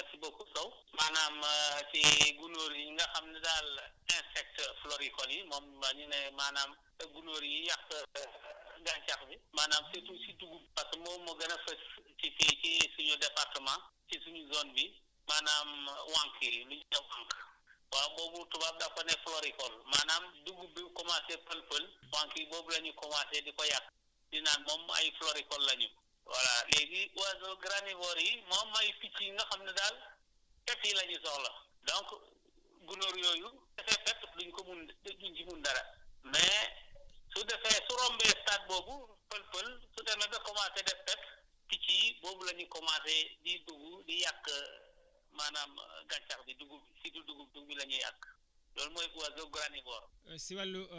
waa merci beaucoup Sow maanaam si gunóor yi nga xam ne daal insectes floricoles yi moom ñu ne maanaam gunóor yiy yàq gàncax bi maanaam surtout si dugub parce que moom moo gën a * ci fii ci suñu département ci suñu zone bi maanaam wànq yi lu ñu ne wànq waaw boobu tubaab daf ko ne floricole maanaam dugub bi bu commencer fël-fël wànq yi boobu la ñu commencer di ko yàq di naan moom ay floricole la ñu voilà léegi oiseaux granivores yi moom ay picc yu nga xam e daal cat yi la énu soxla donc gunóor yooyu de ce fait duñ ko mun duñ ci mun dara mais su defee su rombee stade boobu fël-fël su demee ba commencer def pepp picc yi boobu la ñu commencer di dugg di yàq maanaam gàncax bi dugub si biir dugub bi la ñuy àgg loolu mooy oiseau granivore